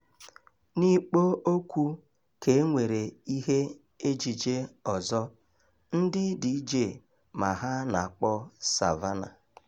N'ikpo okwu ka e nwere ihe ejije ọzọ, ndị DJ ma ha na-akpọ "Savannah"